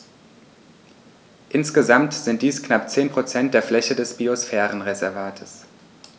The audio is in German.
Insgesamt sind dies knapp 10 % der Fläche des Biosphärenreservates.